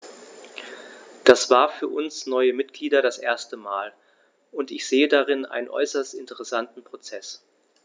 Das war für uns neue Mitglieder das erste Mal, und ich sehe darin einen äußerst interessanten Prozess.